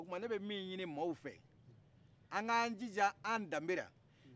o tuma ne bɛ min ɲini mɔgɔw fɛ an ka jij' an danbaela